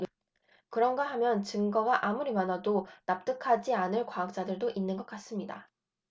그런가 하면 증거가 아무리 많아도 납득하지 않을 과학자들도 있는 것 같습니다